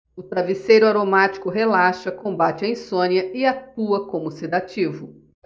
o travesseiro aromático relaxa combate a insônia e atua como sedativo